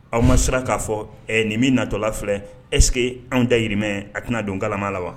Aw ma siran k'a fɔ ɛɛ nin min natɔla filɛ eske anw da yirimɛ a tɛna don kalama la wa